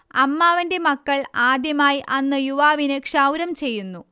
അമ്മാവന്റെ മക്കൾ ആദ്യമായി അന്ന് യുവാവിന് ക്ഷൗരം ചെയ്യുന്നു